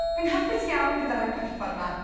Dwi'n hapus iawn gyda rhai porffor 'ma.